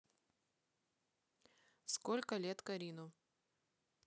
сколько лет карину